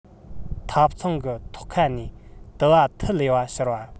ཐབ ཚང གི ཐོག ཁ ནས དུ བ འཐུལ ལེ བ འཕྱུར བ